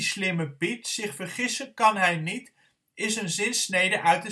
slimme Piet, zich vergissen kan hij niet, is een zinsnede uit